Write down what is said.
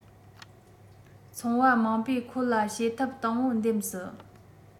ཚོང པ མང པོས ཁོ ལ བྱེད ཐབས དང པོ འདེམས སྲིད